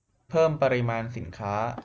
เพิ่มปริมาณสินค้า